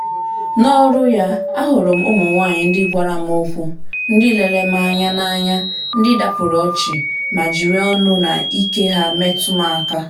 N’ọrụ ya, ahụrụ m ụmụnwaanyị ndị gwara m okwu, ndị lere m anya n’anya, ndị dapụrụ ọchị ma jiri ọṅụ na ike ha metụ m aka.